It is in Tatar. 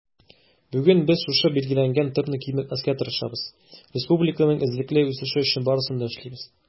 Бүген без шушы билгеләнгән темпны киметмәскә тырышабыз, республиканың эзлекле үсеше өчен барысын да эшлибез.